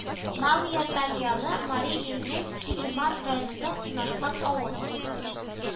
Малые Памъялы Мари Илнең Килемар районында урнашкан авыл